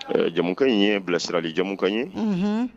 Ɛɛ jamukan in ye bilasirali jamukan ye unun